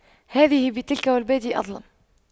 هذه بتلك والبادئ أظلم